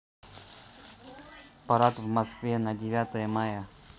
парад в москве на девятое мая